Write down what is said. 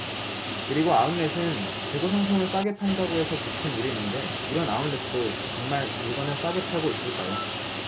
그리고 아웃렛은 재고 상품을 싸게 판다고 해서 붙은 이름인데 이런 아웃렛들 정말 물건을 싸게 팔고 있을까요